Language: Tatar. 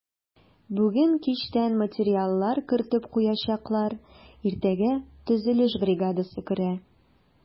Бүген кичтән материаллар кертеп куячаклар, иртәгә төзелеш бригадасы керә.